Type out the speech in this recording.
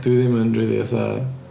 Dwi ddim yn rili fatha...